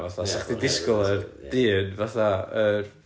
Fatha 'sa chdi'n disgwyl yr dŷn fatha yr...